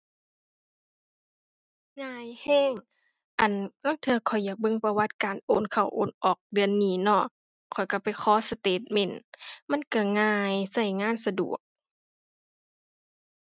ง่ายแรง อั่น ลางเทื่อข้อยอยากเบิ่งประวัติการโอนเข้าโอนออกเดือนนี้เนาะ ข้อยแรงไปขอสเตตเมนต์ มันแรงง่ายแรงงานสะดวก